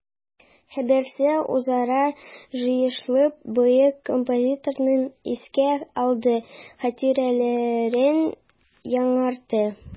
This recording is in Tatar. Һәрберсе үзара җыелышып бөек композиторны искә алды, хатирәләрен яңартты.